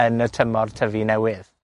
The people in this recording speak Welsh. yn y tymor tyfu newydd.